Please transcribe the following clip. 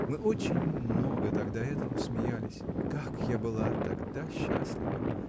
мы очень много тогда этому смеялись. Как я была тогда счастлива!